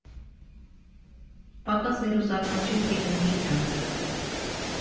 Պակաս հերոսական չէր թիկունքի կյանքը։